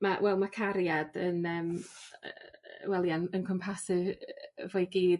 ma' wel ma' cariad yn yym wel ia'n yn cwmpasu f- fo i gyd